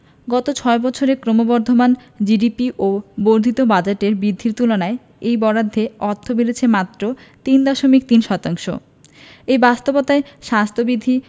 গত ছয় বছরে ক্রমবর্ধমান জিডিপি ও বর্ধিত বাজেটের বৃদ্ধির তুলনায় এই বরাদ্দে অর্থ বেড়েছে মাত্র তিন দশমিক তিন শতাংশ এই বাস্তবতায় স্বাস্থ্যবিধি